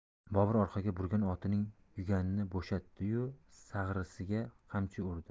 bobur orqaga burgan otining yuganini bo'shatdi yu sag'risiga qamchi urdi